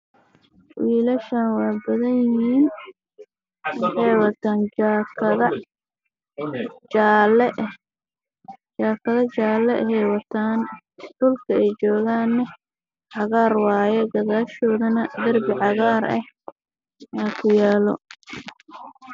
Wiilal badan oo jaakado jaale ah wato meel cagaar bay joogaan